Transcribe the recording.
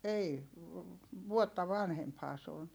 ei vuotta vanhempihan se on